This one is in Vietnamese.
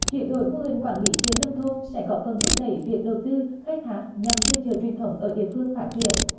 chuyển đổi mô hình quản lý chợ nông thôn sẽ góp phần thúc đẩy việc đầu tư khai thác nhằm đưa chợ truyền thống ở địa phương phát triển